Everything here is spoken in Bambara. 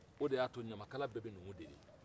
o de y'a to ɲamakala bɛɛ bɛ numu deli